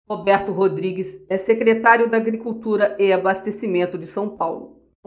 roberto rodrigues é secretário da agricultura e abastecimento de são paulo